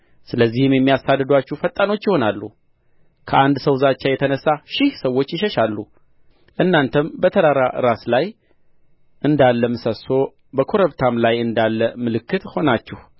ስለዚህም የሚያሳድዱአችሁ ፈጣኖች ይሆናሉ ከአንድ ሰው ዛቻ የተነሣ ሺህ ሰዎች ይሸሻሉ እናንተም በተራራ ራስ ላይ እንዳለ ምሰሶ በኮረብታም ላይ እንዳለ ምልክት ሆናችሁ